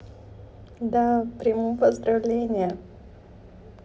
да приму поздравления